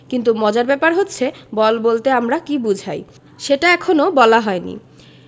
কিন্তু মজার ব্যাপার হচ্ছে বল বলতে আমরা কী বোঝাই সেটা এখনো বলা হয়নি